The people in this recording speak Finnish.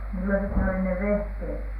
millaiset ne oli ne vehkeet